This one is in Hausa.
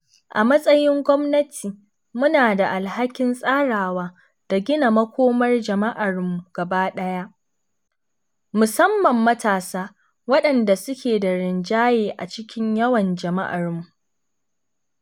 A matsayin gwamnati, muna da alhakin tsarawa da gina makomar jama'armu gabaɗaya, musamman matasa, waɗanda suke da rinjaye a cikin yawan jama'armu.